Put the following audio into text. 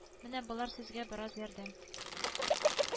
Менә болар сезгә бераз ярдәм